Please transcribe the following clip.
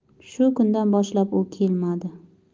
shu kundan boshlab u kelmadi